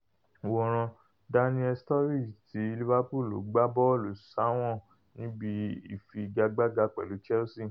Wòran: Daniel Sturridge ti Liverpool ló gbá bọ́ọ̀lù sáwọ̀n níbi ìfigagbága pẹ̀lú Chelsea